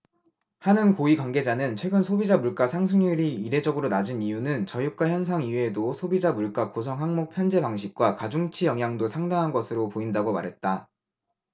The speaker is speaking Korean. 한은 고위 관계자는 최근 소비자물가상승률이 이례적으로 낮은 이유는 저유가 현상 이외에도 소비자물가 구성항목 편제방식과 가중치 영향도 상당한 것으로 보인다고 말했다